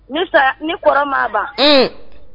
Ni sara ni kɔrɔ maa ban